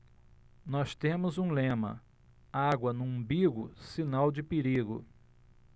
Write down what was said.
nós temos um lema água no umbigo sinal de perigo